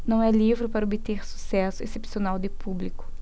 não é livro para obter sucesso excepcional de público